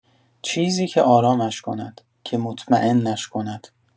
چیزی که آرامش کند، که مطمئنش کند.